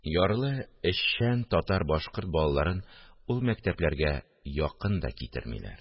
Ярлы эшчән татар-башкорт балаларын ул мәктәпләргә якын да китермиләр